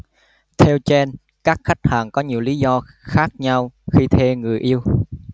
theo chen các khách hàng có nhiều lý do khác nhau khi thuê người yêu